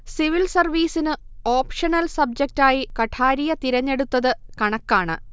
civil സർവീസിന് optional സബ്ജറ്റായി കഠാരിയ തിരഞ്ഞെടുത്തത് കണക്കാണ്